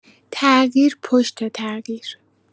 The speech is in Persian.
تغییر پشت تغییر